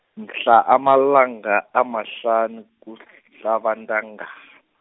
mhla amalanga amahlanu kusihlaba intangana.